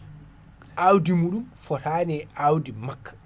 awdi muɗum fotani e awdi makka